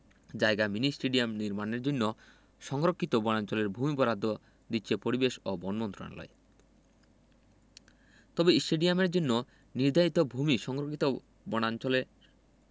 জায়গা mini stadium নির্মাণের জন্য সংরক্ষিত বনাঞ্চলের ভূমি বরাদ্দ দিয়েছে পরিবেশ ও বন মন্ত্রণালয় তবে স্টেডিয়ামের জন্য নির্ধারিত ভূমি সংরক্ষিত বনাঞ্চলের